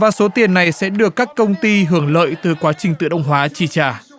và số tiền này sẽ được các công ty hưởng lợi từ quá trình tự động hóa chi trả